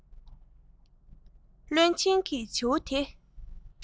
བློན ཆེན གྱིས བྱིའུ དེ